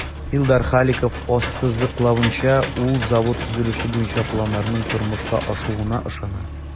Илдар Халиков ассызыклавынча, ул завод төзелеше буенча планнарның тормышка ашуына ышана.